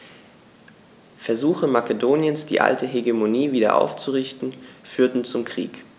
Versuche Makedoniens, die alte Hegemonie wieder aufzurichten, führten zum Krieg.